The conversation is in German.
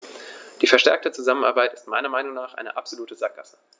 Die verstärkte Zusammenarbeit ist meiner Meinung nach eine absolute Sackgasse.